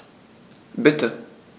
Bitte.